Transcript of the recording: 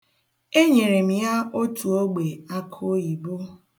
E nyere m ya otu ogbe akụoyibo.